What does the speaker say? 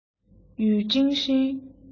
ཡུས ཀྲེང ཧྲེང